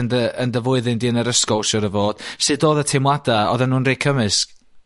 yn dy yn dy flwyddyn di yn yr ysgol siŵr o fod sut odd y teimlada? Oddan nw'n rhei cymysg?